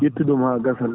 itta ɗum ha gasane